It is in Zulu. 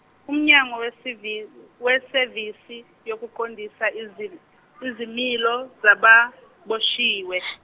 uMnyango weSevi- weSevisi yokuQondisa izim- izimilo zababoshiwe .